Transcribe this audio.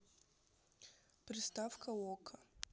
приставка окко